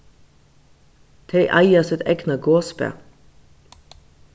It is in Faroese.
tey eiga sítt egna gosbað